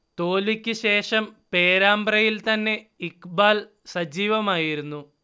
തോൽവിക്ക് ശേഷം പേരാമ്പ്രയിൽ തന്നെ ഇഖ്ബാൽ സജീവമായിരുന്നു